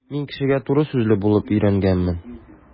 Мин кешегә туры сүзле булып өйрәнгәнмен.